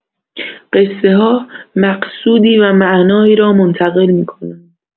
قصه‌ها مقصودی و معنایی را منتقل می‌کنند.